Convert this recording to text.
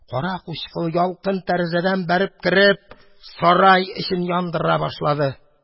Кара-кучкыл ялкын, тәрәзәдән бәреп кереп, сарай эчен яндыра башлады.